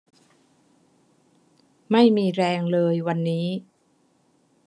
ไม่มีแรงเลยวันนี้